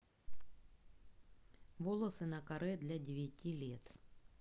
волосы на каре для девяти лет